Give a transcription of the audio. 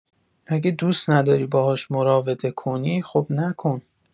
اگه دوست نداری باهاش مراوده کنی، خب نکن.